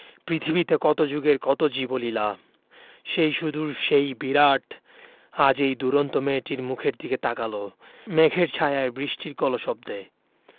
পৃথিবীতে কত যুগের কত জীবলীলা সেই সুদূর সেই বিরাট আজ এই দুরন্ত মেয়েটির মুখের দিকে তাকাল মেঘের ছায়ায় বৃষ্টির কলশব্দে